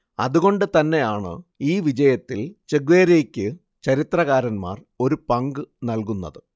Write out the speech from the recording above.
അതുകൊണ്ടുതന്നെയാണ് ഈ വിജയത്തിൽ ചെഗുവേരയ്ക്ക് ചരിത്രകാരന്മാർ ഒരു പങ്ക് നല്കുന്നത്